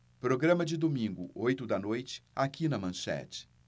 programa de domingo oito da noite aqui na manchete